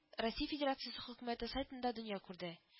Россия Федерациясе Хөкүмәте сайтында дөнья күрде